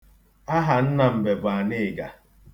Aha nna mbe bụ Anịịga.